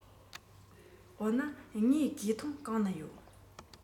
འོ ན ངའི གོས ཐུང གང ན ཡོད